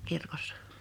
kirkossa